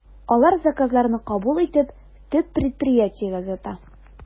Алар заказларны кабул итеп, төп предприятиегә озата.